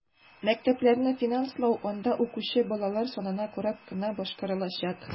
Мәктәпләрне финанслау анда укучы балалар санына карап кына башкарылачак.